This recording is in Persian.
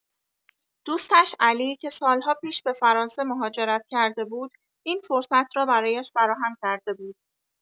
دوستش علی، که سال‌ها پیش به فرانسه مهاجرت کرده بود، این فرصت را برایش فراهم کرده بود.